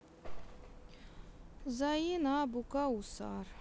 заин абу каусар